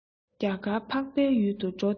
རྒྱ གར འཕགས པའི ཡུལ དུ འགྲོ འདོད ན